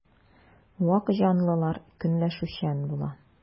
Вак җанлылар көнләшүчән була.